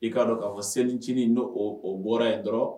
I k'a dɔn kaa fɔ selicinin n'o o bɔra ye dɔrɔn